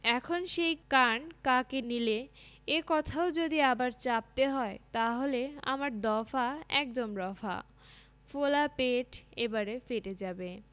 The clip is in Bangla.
এখন সেই কান কাকে নিলে এ কথাও যদি আবার চাপতে হয় তাহলে আমার দফা একদম রফা ফোলা পেট এবারে ফেটে যাবে